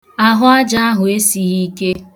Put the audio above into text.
Ahụaja ahụ esighi iike.